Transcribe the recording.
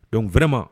Donc vraiment